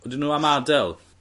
Odyn n'w am ad'el?